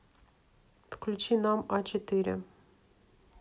включи нам а четыре